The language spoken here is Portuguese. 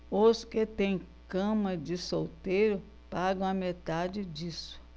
os que têm cama de solteiro pagam a metade disso